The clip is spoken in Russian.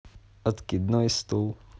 откидной стул